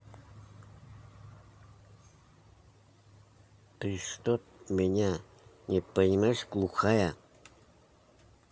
ты что меня не понимаешь глухая